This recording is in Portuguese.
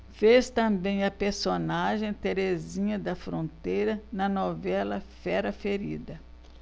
fez também a personagem terezinha da fronteira na novela fera ferida